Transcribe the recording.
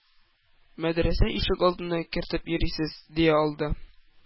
Мәдрәсә ишек алдына кертеп йөрисез? дия алды.